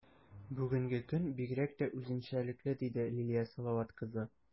Бүгенге көн бигрәк тә үзенчәлекле, - диде Лилия Салават кызы.